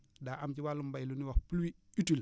daa am ci wàllum mbay lu ñuy wax pluie utile